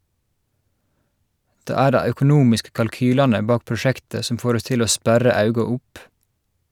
Det er dei økonomiske kalkylane bak prosjektet som får oss til å sperra auga opp.